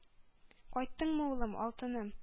Кайттыңмы, улым, алтыным!